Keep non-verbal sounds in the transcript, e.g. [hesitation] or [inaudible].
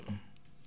[hesitation] [hesitation]